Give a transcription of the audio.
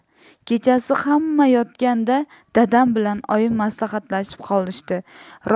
kechasi hamma yotganda dadam bilan oyim maslahatlashib qolishdi